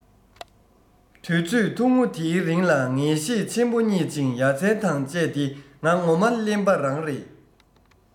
དུས ཚོད ཐུང ངུ དེའི རིང ལ ངེས ཤེས ཆེན པོ རྙེད ཅིང ཡ མཚན དང བཅས ཏེ ང ངོ མ གླེན པ རང རེད